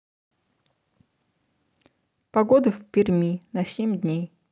погода в перми на семь дней